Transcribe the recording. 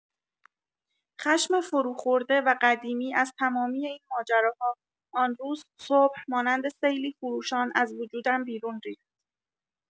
خشم فروخورده و قدیمی از تمامی این ماجراها آن روز صبح، مانند سیلی خروشان از وجودم بیرون ریخت.